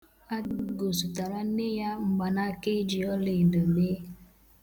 Adaugo zụtaara nne ya mgbanaaka e ji olaedo mee.